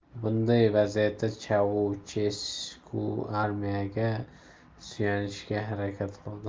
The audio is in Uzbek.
bunday vaziyatda chaushesku armiyaga suyanishga harakat qildi